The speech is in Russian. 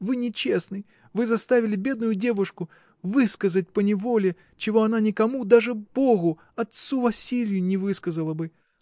— Вы нечестный: вы заставили бедную девушку высказать поневоле, чего она никому, даже Богу, отцу Василью, не высказала бы.